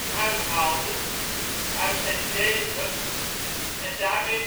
uithaalde uit zijn degen en daarmee